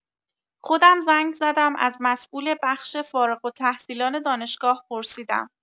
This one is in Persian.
خودم زنگ زدم از مسئول بخش فارغ التحصیلان دانشگاه پرسیدم.